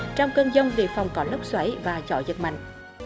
trong cơn dông đề phòng có lốc xoáy và gió giật mạnh